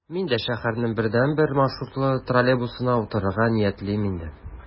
Мин дә шәһәрнең бердәнбер маршрутлы троллейбусына утырырга ниятлим инде...